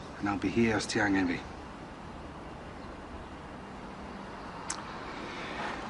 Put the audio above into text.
An' I'll be here os ti angen fi.